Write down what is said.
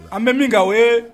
An bɛ min kɛ o ye